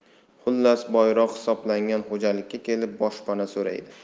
hullas boyroq hisoblangan xo'jalikka kelib boshpana so'raydi